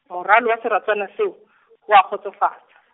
moralo wa seratswana seo , oa kgotsofatsa.